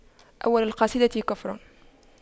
أول القصيدة كفر